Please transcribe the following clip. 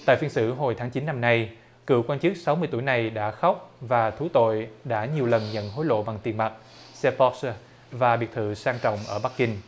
tại phiên xử hồi tháng chín năm nay cựu quan chức sáu mươi tuổi này đã khóc và thú tội đã nhiều lần nhận hối lộ bằng tiền mặt xe po sờ và biệt thự sang trọng ở bắc kinh